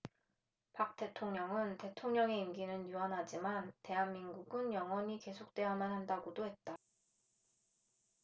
박 대통령은 대통령의 임기는 유한하지만 대한민국은 영원히 계속돼야만 한다고도 했다